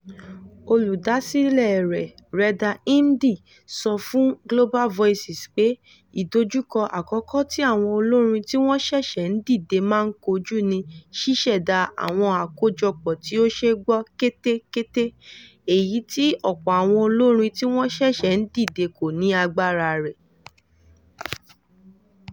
Olùdásílẹ̀ rẹ̀, Reda Hmidi, sọ fún Global Voices pé “ìdojúko àkọ́kọ́ tí àwọn olórin tí wọ́n ṣẹ̀ṣẹ̀ ń dìdè máa ń kojú ni ṣíṣẹ̀dá àwọn àkójọ̀pọ̀ tí ó ṣeé gbọ́ kétékété, èyí ti ọ̀pọ̀ àwọn olórin tí wọ́n ṣẹ̀ṣẹ̀ ń dìdè kò ní agbára rẹ̀”